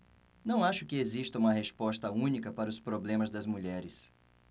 não acho que exista uma resposta única para os problemas das mulheres